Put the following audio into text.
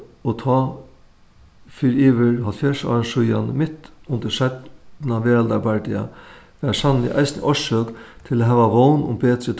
og tá fyri yvir hálvfjerðs árum síðan mitt undir seinna veraldarbardaga var sanniliga eisini orsøk til at hava vón um betri